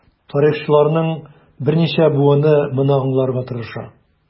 Тарихчыларның берничә буыны моны аңларга тырыша.